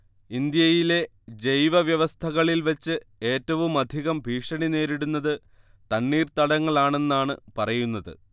ഇന്ത്യയിലെ ജൈവവ്യവസ്ഥകളിൽ വെച്ച് ഏറ്റവുമധികം ഭീഷണിനേരിടുന്നത് തണ്ണീർതടങ്ങളാണെന്നാണ് പറയുന്നത്